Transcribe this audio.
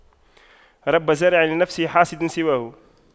رب زارع لنفسه حاصد سواه